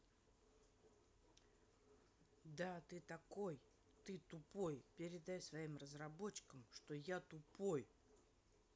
да ты такой ты тупой передай своим разработчикам что я тупой